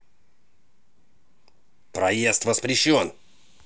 проезд воспрещен